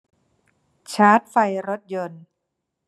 ชาร์จไฟรถยนต์